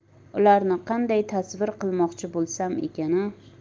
ularni qanday tasvir qilmoqchi bo'lsam ekana